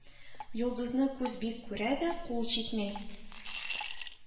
Йолдызны күз бик күрә дә, кул җитми